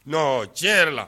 Don tiɲɛ yɛrɛ la